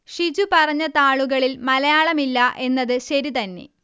ഷിജു പറഞ്ഞ താളുകളിൽ മലയാളമില്ല എന്നത് ശരി തന്നെ